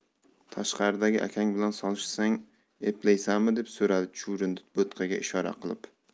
tashqaridagi akang bilan solishsang eplaysanmi deb so'radi chuvrindi bo'tqaga ishora qilib